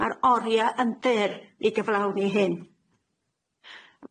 Ma'r orie yn fyr i gyflawni hyn.